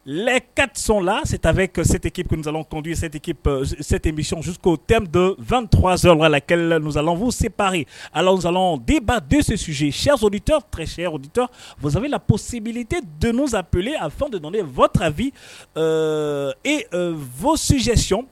Ka son la setafe kasɛteki psatetec koot dɔ vtz ka lalazsa fu sep zsaba dɛsɛse sususie siyasosiyaditɔ bɔnzsala psibi tɛ donsaple a fɛn de v ee fɔsicɔn